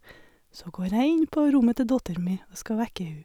Så går jeg inn på rommet til datter mi og skal vekke hun.